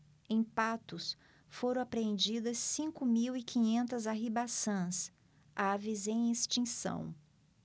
em patos foram apreendidas cinco mil e quinhentas arribaçãs aves em extinção